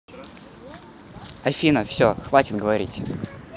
афина все хватит говорить